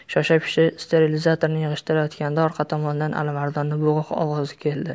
shosha pisha sterilizatorni yig'ishtirayotganida orqa tomondan alimardonning bo'g'iq ovozi keldi